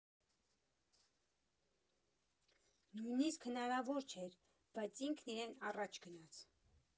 Նույնիսկ հնարավոր չէր, բայց ինքն իրեն առաջ գնաց։